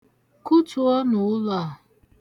Kụtuonu ụlọ a.